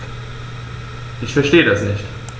Ich verstehe das nicht.